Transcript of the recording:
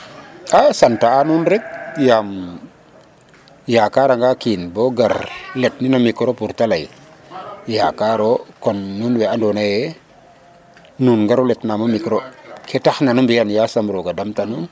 A sante'aa anuun rek yaam yakaaranga kiin bo gar le nino micro pour ta lay yakaaro kon nuun we andoona ye nuun ngaru letnaam o micro ke taxna nu mbiyan yaasam roog a damta nuun,